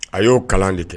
A y'o kalan de tɛ